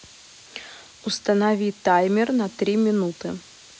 установи таймер на три минуты